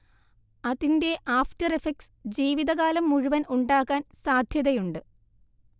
അതിന്റെ after effects ജീവിതകാലം മുഴുവൻ ഉണ്ടാകാൻ സാധ്യതയുണ്ട്